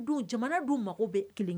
Don jamana don mago bɛ kelen kɛ